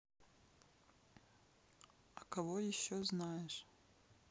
а кого еще знаешь